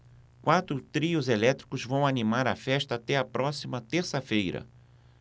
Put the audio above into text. quatro trios elétricos vão animar a festa até a próxima terça-feira